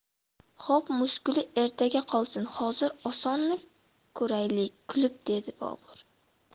xo'p mushkuli ertaga qolsin hozir osonini ko'raylik kulib dedi bobur